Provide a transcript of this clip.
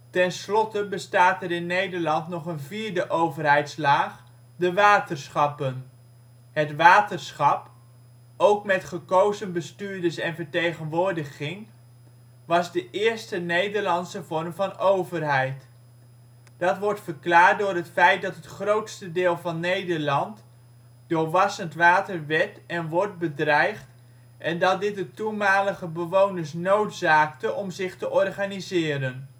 Tenslotte bestaat er in Nederland nog een vierde overheidslaag: de waterschappen. Het waterschap - ook met gekozen bestuurders en vertegenwoordiging - was de eerste Nederlandse vorm van overheid. Dat wordt verklaard door het feit dat het grootste deel van Nederland door wassend water werd (en wordt) bedreigd en dat dit de toenmalige bewoners noodzaakte om zich te organiseren